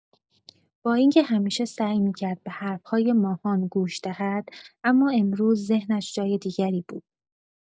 با اینکه همیشه سعی می‌کرد به حرف‌های ماهان گوش دهد، اما امروز ذهنش جای دیگری بود.